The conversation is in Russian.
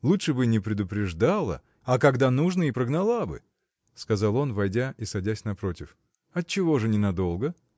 Лучше бы не предупреждала, а когда нужно — и прогнала бы, — сказал он, войдя и садясь напротив. — Отчего же ненадолго?